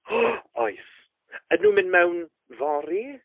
Oes. Ydyn nhw'n mynd mewn fory?